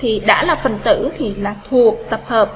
thì đã là phần tử thì là thuộc tập hợp